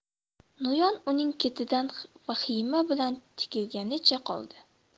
no'yon uning ketidan vahima bilan tikilganicha qoldi